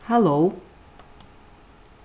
halló